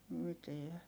mitään